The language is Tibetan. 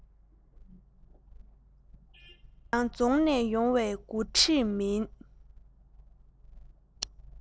ང རང རྫོང ནས ཡོང བའི མགོ ཁྲིད མིན